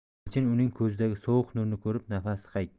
elchin uning ko'zidagi sovuq nurni ko'rib nafasi qaytdi